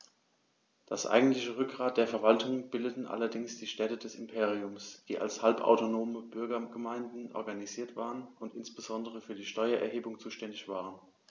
Das eigentliche Rückgrat der Verwaltung bildeten allerdings die Städte des Imperiums, die als halbautonome Bürgergemeinden organisiert waren und insbesondere für die Steuererhebung zuständig waren.